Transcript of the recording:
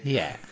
Ie.